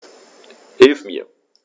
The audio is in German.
Hilf mir!